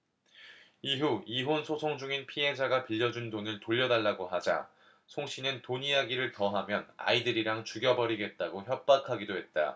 이후 이혼 소송중인 피해자가 빌려준 돈을 돌려달라고 하자 송씨는 돈 이야기를 더 하면 아이들이랑 죽여버리겠다고 협박하기도 했다